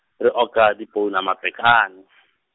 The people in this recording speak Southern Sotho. re oka dipounama pekane .